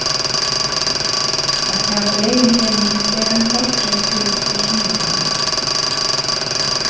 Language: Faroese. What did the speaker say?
at hava eginpening er ein fortreyt fyri at søkja um lán